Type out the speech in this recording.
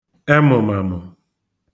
ẹmụ̀màmụ̀